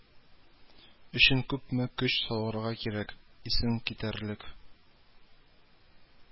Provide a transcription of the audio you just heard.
Өчен күпме көч салырга кирәк, исең китәрлек